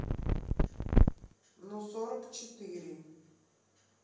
но сорок четыре